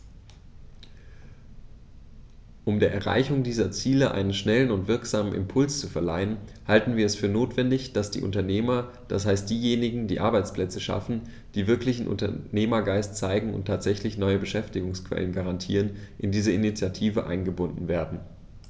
Um der Erreichung dieser Ziele einen schnellen und wirksamen Impuls zu verleihen, halten wir es für notwendig, dass die Unternehmer, das heißt diejenigen, die Arbeitsplätze schaffen, die wirklichen Unternehmergeist zeigen und tatsächlich neue Beschäftigungsquellen garantieren, in diese Initiative eingebunden werden.